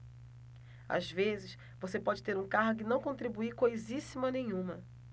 às vezes você pode ter um cargo e não contribuir coisíssima nenhuma